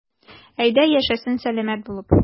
Әйдә, яшәсен сәламәт булып.